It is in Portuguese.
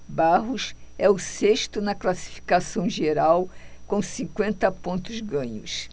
barros é o sexto na classificação geral com cinquenta pontos ganhos